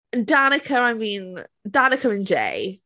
Danica. I mean... Danica and Jay.